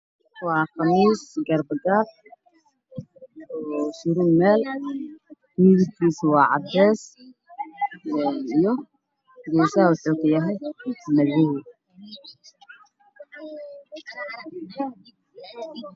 Waa khamiis gacmo gaab midabkiisii yahay cadays waxa uu furan yahay meel carwo ah oo dhar lagu iibiyo